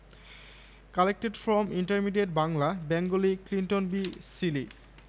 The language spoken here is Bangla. collected from intermediate Bangla Bengali Clinton B Seely